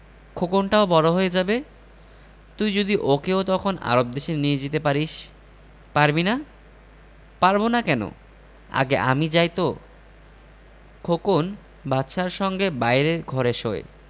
খোকনটাও বড় হয়ে যাবে তুই যদি ওকেও তখন আরব দেশে নিয়ে যেতে পারিস পারবি না পারব না কেন আগে আমি যাই তো খোকন বাদশার সঙ্গে বাইরের ঘরে শোয়